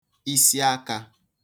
isiakā